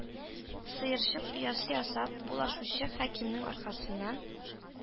Сыерчык оясы ясап булашучы хәлимнең аркасыннан